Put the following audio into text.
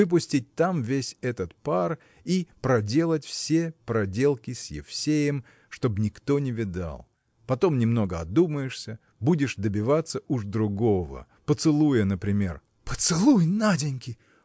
выпустить там весь этот пар и проделать все проделки с Евсеем чтобы никто не видал. Потом немного одумаешься будешь добиваться уж другого поцелуя например. – Поцелуй Наденьки!